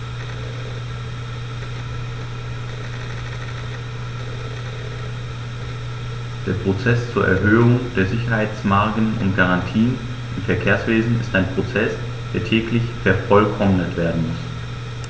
Der Prozess zur Erhöhung der Sicherheitsmargen und -garantien im Verkehrswesen ist ein Prozess, der täglich vervollkommnet werden muss.